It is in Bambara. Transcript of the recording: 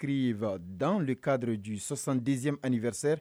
Kiriefa dan de k'a dej sɔsandz ani2s